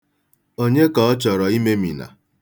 Onye ka ọ chọrọ imemina?